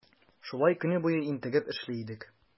Шулай көне буе интегеп эшли идек.